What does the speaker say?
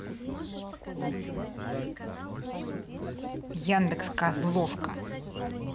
яндекс козловка